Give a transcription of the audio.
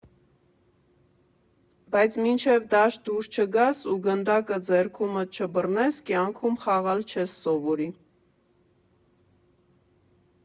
Բայց մինչև դաշտ դուրս չգաս ու գնդակը ձեռքումդ չբռնես, կյանքում խաղալ չես սովորի։